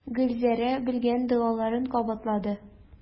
Гөлзәрә белгән догаларын кабатлады.